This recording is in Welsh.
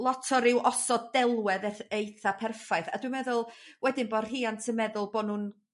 lot o ryw osod delwedd eth- eitha perffaith a dwi'n meddwl wedyn bo' rhiant yn meddwl bo nw'n